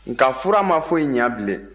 nka fura ma foyi ɲɛ bilen